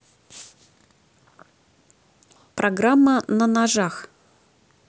программа на ножах